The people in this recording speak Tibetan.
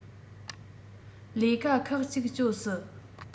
ལས ཀ ཁག གཅིག སྤྱོད སྲིད